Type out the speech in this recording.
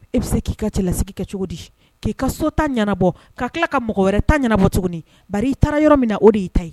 E bɛ se k'i ka cɛlasigi kɛ cogo di k'i ka so ta ɲɛnabɔ ka tila ka mɔgɔ wɛrɛ ta ɲɛnabɔ tuguni, bari i taara yɔrɔ min na o de bari i ta ye